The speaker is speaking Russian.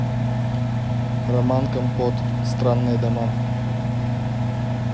роман компот странные дома